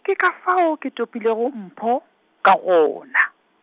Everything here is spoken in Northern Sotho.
ke ka fao ke topilego Mpho, ka gona.